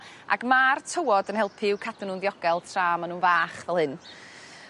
... ac ma'r tywod yn helpu i'w cadw nw'n ddiogel tra ma' nw'n fach fel hyn.